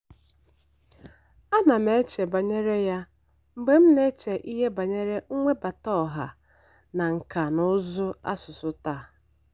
Ana m eche banyere ya mgbe m na-eche ihe banyere mwebataọha na nkà na ụzụ asụsụ taa.